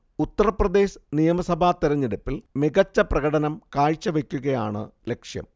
ഉത്തർപ്രദേശ് നിയമസഭാ തിരഞ്ഞെടുപ്പിൽ മികച്ച പ്രകടനം കാഴ്ചവെക്കുകയാണ് ലക്ഷ്യം